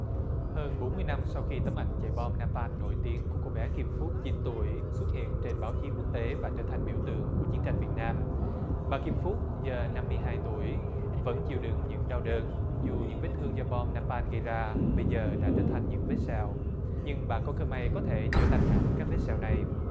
hơn bốn mươi năm sau khi tấm ảnh chạy bom na pan nổi tiếng của cô bé kim phúc chín tuổi xuất hiện trên báo chí quốc tế và trở thành biểu tượng của chiến tranh việt nam bà kim phúc giờ năm mươi hai tuổi vẫn chịu đựng những đau đớn dù những vết thương do bom na pan gây ra bây giờ đã trở thành những vết sẹo nhưng bà có cơ may có thể chữa lành hẳn các vết sẹo này